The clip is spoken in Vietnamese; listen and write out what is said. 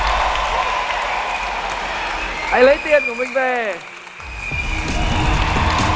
hãy lấy tiền của mình về